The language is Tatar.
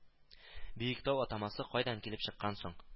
Биектау атамасы кайдан килеп чыккан соң